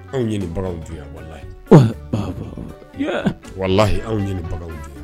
Anw ye baraw jɔ wala wala anw ɲini baroraw jɔ